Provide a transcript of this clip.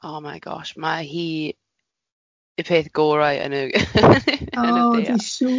Oh my gosh, mae hi y peth gorau yn y yn y de-ar. O, ydi siŵr.